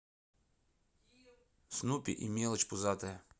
снупи и мелочь пузатая